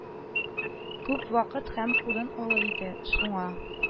Күп вакыт һәм урын алыр иде, шуңа